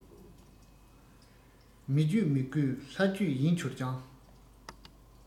མི རྒྱུད མི དགོས ལྷ རྒྱུད ཡིན གྱུར ཀྱང